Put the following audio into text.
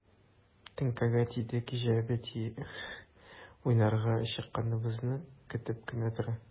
Теңкәгә тиде кәҗә бәтие, уйнарга чыкканыбызны көтеп кенә тора.